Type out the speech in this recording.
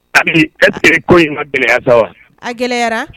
Ayi ɛ siri ko in ma gɛlɛya sa wa a gɛlɛyayara